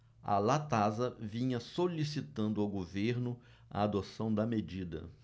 a latasa vinha solicitando ao governo a adoção da medida